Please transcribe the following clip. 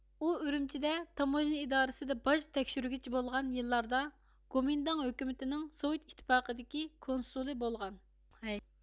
ئۇ ئۈرۈمچىدە تاموژنا ئىدارىسىدە باج تەكشۈرگۈچى بولغان يىللاردا گومىنداڭ ھۆكۈمىتىنىڭ سوۋېت ئىتتىپاقىدىكى كونسۇلى بولغان